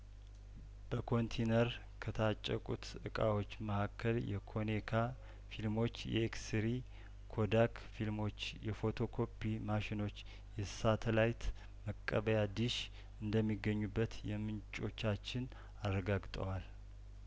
በኮንቲ ነር ከታጨ ቁት እቃዎች መሀከል የኮኔካ ፊልሞች የኤክስሪኮ ዳክ ፊልሞች የፎቶ ኮፒ ማሽኖች የሳተላይት መቀበያ ዲሽ እንደሚገኙበት የምንጮቻችን አረጋግጠዋል